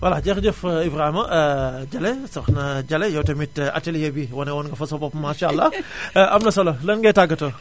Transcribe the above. voilà jërëjëf Ibrahima Jalle Soxna Jalle yow tamit atelier bi wane woon nga fa sa bopp maasàllaa am na solo lan ngay tàggatoo